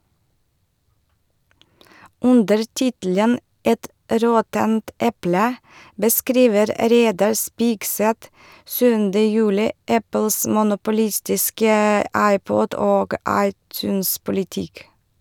Under tittelen «Et råttent eple» beskriver Reidar Spigseth 7. juli Apples monopolistiske iPod- og iTunes-politikk.